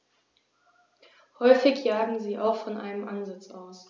Häufig jagen sie auch von einem Ansitz aus.